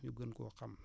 ñu gën koo xam